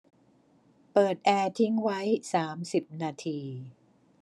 เปิดแอร์ทิ้งไว้สามสิบนาที